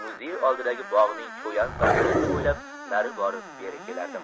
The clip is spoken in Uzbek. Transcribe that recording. men muzey oldidagi bog'ning cho'yan panjarasi bo'ylab nari borib beri kelardim